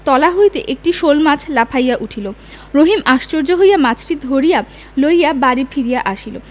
তলা হইতে একটি শােলমাছ লাফাইয়া উঠিল রহিম আশ্চর্য হইয়া মাছটি ধরিয়া লইয়া বাড়ি ফিরিয়া আসিল